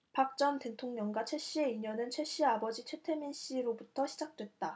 박 전 대통령과 최씨의 인연은 최씨 아버지 최태민씨로부터 시작됐다